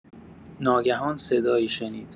ناگهان صدایی شنید.